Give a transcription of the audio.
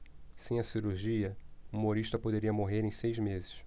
sem a cirurgia humorista poderia morrer em seis meses